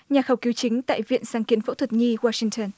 nhà khảo cứu chính tại viện sang kiến phẫu thuật nhi washington